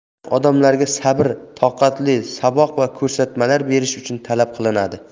tarix odamlarga sabr toqatli saboq va ko'rsatmalar berish uchun talab qilinadi